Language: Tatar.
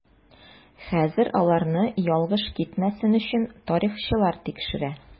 Хәзер аларны ялгыш китмәсен өчен тарихчылар тикшерә.